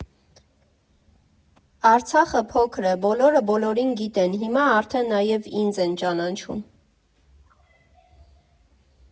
Արցախը փոքր է, բոլորը բոլորին գիտեն, հիմա արդեն նաև ինձ են ճանաչում։